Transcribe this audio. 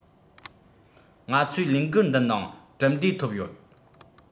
ང ཚོས ལས འགུལ འདི ནང གྲུབ འབྲས ཐོབ ཡོད